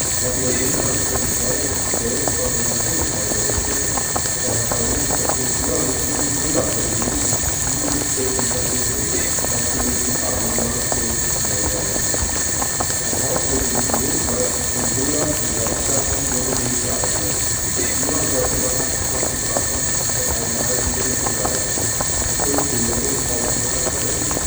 Aus Neuseeland wurde 2012 von einem Todesfall berichtet, der wahrscheinlich auf durch übermäßigen Cola-Konsum (7-10 Liter täglich) ausgelösten Kaliummangel zurückzuführen sei. Als Hausmittel gegen Durchfall sind Cola und Salzstangen nur bedingt geeignet; lieber sollte man abgekochtes Wasser mit einem halben Teelöffel Salz und fünf Teelöffeln Traubenzucker verwenden